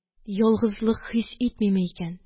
Ялгызлык хис итмиме икән?